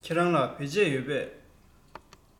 ཁྱེད རང ལ བོད ཆས ཡོད པས